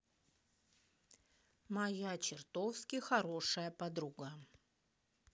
моя чертовски хорошая подруга